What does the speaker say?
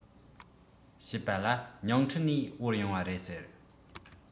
བཤད པ ལ ཉིང ཁྲི ནས དབོར ཡོང བ རེད ཟེར